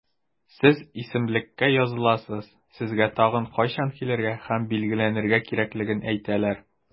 Сез исемлеккә языласыз, сезгә тагын кайчан килергә һәм билгеләнергә кирәклеген әйтәләр.